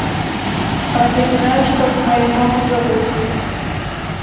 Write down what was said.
а ты знаешь как мою маму зовут